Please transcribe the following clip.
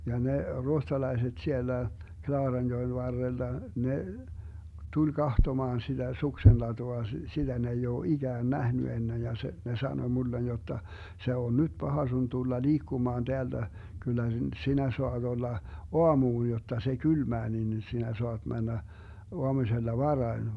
ja ne ruotsalaiset siellä Klaaranjoen varrella ne tuli katsomaan sitä suksenlatua sitä ne ei ole ikään nähnyt ennen ja se ne sanoi minulle jotta se on nyt paha sinun tulla liikkumaan täällä kyllä sinä saat olla aamuun jotta se kylmää niin sinä saat mennä aamusella varhain